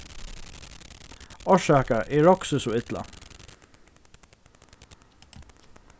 orsaka eg roksi so illa